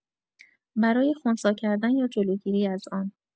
برای خنثی کردن یا جلوگیری از آن